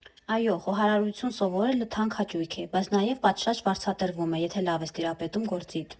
Այո, խոհարարություն սովորելը թանկ հաճույք է, բայց նաև պատշաճ վարձատրվում է, եթե լավ ես տիրապետում գործիդ։